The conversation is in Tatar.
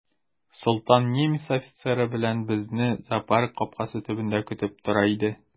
Солтан немец офицеры белән безне зоопарк капкасы төбендә көтеп тора иде.